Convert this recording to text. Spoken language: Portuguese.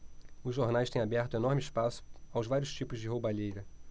os jornais têm aberto enorme espaço aos vários tipos de roubalheira